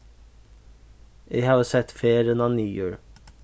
eg havi sett ferðina niður